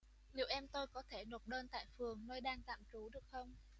liệu em tôi có thể nộp đơn tại phường nơi đang tạm trú được không